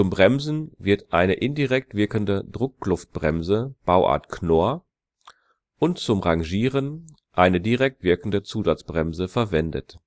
Bremsen wird eine indirekt wirkende Druckluftbremse Bauart Knorr und zum Rangieren eine direkt wirkende Zusatzbremse verwendet